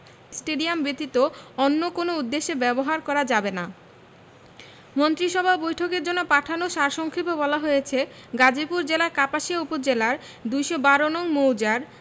stadium ব্যতীত অন্য কোনো উদ্দেশ্যে ব্যবহার করা যাবে না মন্ত্রিসভা বৈঠকের জন্য পাঠানো সার সংক্ষেপে বলা হয়েছে গাজীপুর জেলার কাপাসিয়া উপজেলার ২১২ নং মৌজার